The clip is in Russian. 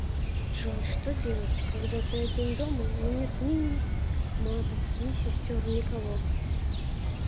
джой что делать когда ты один дома но нет ни ни матов ни сестер никого